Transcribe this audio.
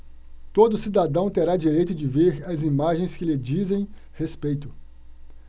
todo cidadão terá direito de ver as imagens que lhe dizem respeito